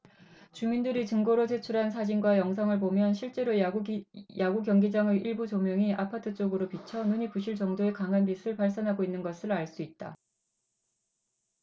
주민들이 증거로 제출한 사진과 영상을 보면 실제로 야구경기장의 일부 조명이 아파트 쪽으로 비쳐 눈이 부실 정도의 강한 빛을 발산하고 있는 것을 알 수 있다